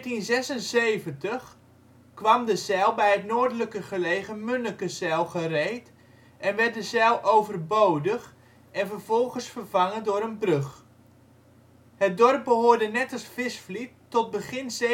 In 1476 kwam de zijl bij het noordelijker gelegen Munnekezijl gereed en werd de zijl overbodig en vervolgens vervangen door een brug. Het dorp behoorde net als Visvliet tot begin